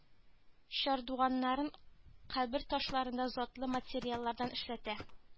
Чардуганнарын кабер ташларын да затлы материаллардан эшләтә